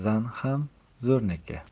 zan ham zo'rniki